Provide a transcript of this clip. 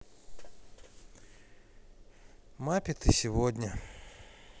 маппеты сегодня